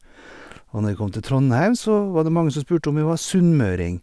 Og når jeg kom til Trondheim, så var det mange som spurte om jeg var sunnmøring.